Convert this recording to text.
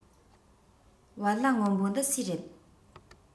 བལ ལྭ སྔོན པོ འདི སུའི རེད